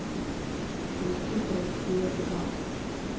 включить россия два